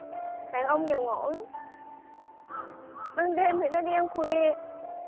đàn ông giờ ngổn ban đêm thì nó đi ăn khuya